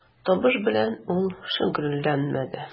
Табыш белән ул шөгыльләнмәде.